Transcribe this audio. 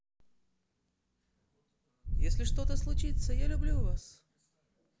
если что то случится я люблю вас